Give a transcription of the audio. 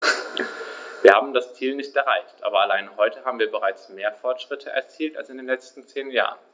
Wir haben das Ziel nicht erreicht, aber allein heute haben wir bereits mehr Fortschritte erzielt als in den letzten zehn Jahren.